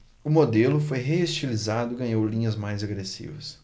o modelo foi reestilizado e ganhou linhas mais agressivas